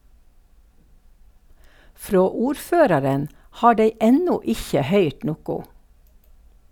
Frå ordføraren har dei enno ikkje høyrt noko.